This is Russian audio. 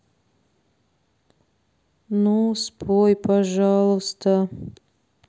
ну спой пожалуйста